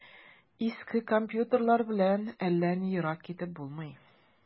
Иске компьютерлар белән әллә ни ерак китеп булмый.